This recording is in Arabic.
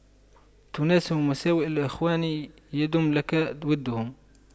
تناس مساوئ الإخوان يدم لك وُدُّهُمْ